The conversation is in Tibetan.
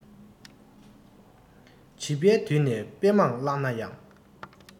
བྱིས པའི དུས ནས དཔེ མང བཀླགས ན ཡང